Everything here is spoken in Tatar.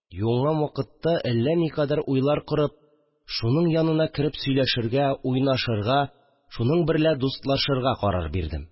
Юынган вакытта әллә никадәр уйлар корып, шуның янына кереп сөйләшергә, уйнашырга, шуның берлә дустлашырга карар бирдем